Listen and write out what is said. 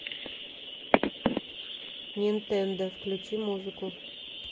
нинтендо включи музыку